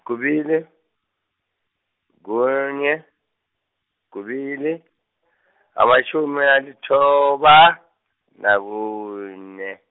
kubili, kunye, kubili, amatjhumi alithoba, nakune.